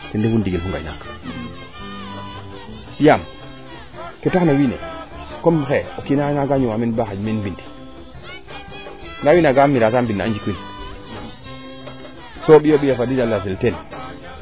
ten refu ndigil fo ngay naak yaam ke taxna wiin we comme o kiina na gaañ waa meen ba xanj ma mbin ndaa wiin we ga miraasa m bina a njik win so o mbiya fadin a lasin teen